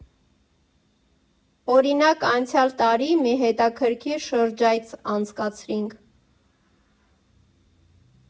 Օրինակ՝ անցյալ տարի մի հետաքրքիր շրջայց անցկացրինք։